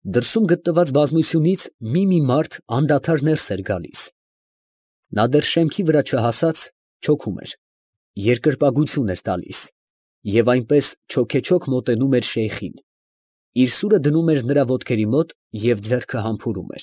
Դրսում գտնված բազմությունից մի֊մի մարդ անդադար ներս էր գալիս. նա դեռ շեմքի վրա չհասած, չոքում էր, երկրպագություն էր տալիս, և այնպես չոքեչոք մոտենում էր Շեյխին, իր սուրը դնում էր նրա ոտքերի մոտ և ձեռքը համբուրում։